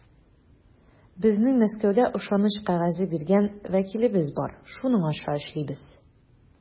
Безнең Мәскәүдә ышаныч кәгазе биргән вәкилебез бар, шуның аша эшлибез.